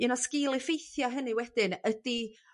un o sgil-effeithia' hynny wedyn ydi